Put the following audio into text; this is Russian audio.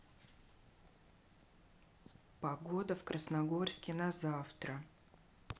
погода в красногорске на завтра